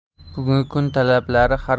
bugungi kun talabi har